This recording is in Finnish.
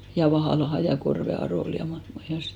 ja Vahalaan ja Korven Arolle ja mahtoikos muualle sitten